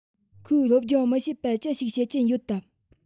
ཁོས སློབ སྦྱོང མི བྱེད པར ཅི ཞིག བྱེད ཀྱིན ཡོད དམ